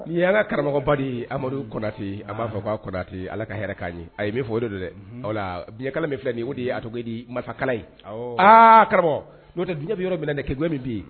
Yala karamɔgɔba amaduti a ma fɔbagati ala ka hɛrɛ k'a ye a min fɔ o de don dɛ biɲɛkala min filɛ nin o de ye atodi marifa in aa karamɔgɔ n'o di bɛ yɔrɔ minɛ na ke min bi yen